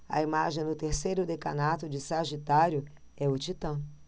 a imagem do terceiro decanato de sagitário é o titã